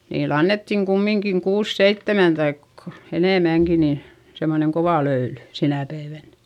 niille annettiin kumminkin kuusi seitsemän tai enemmänkin niin semmoinen kova löyly sinä päivänä